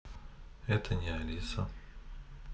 нет это не алиса